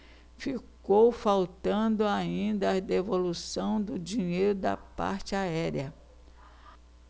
ficou faltando ainda a devolução do dinheiro da parte aérea